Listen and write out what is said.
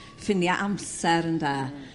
ffinia' amser ynde?